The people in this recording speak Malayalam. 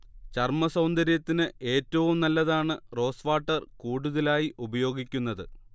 ചർമ്മ സൗന്ദര്യത്തിന് ഏറ്റവും നല്ലതാണ് റോസ് വാട്ടർ കൂടുതലായി ഉപയോഗിക്കുന്നത്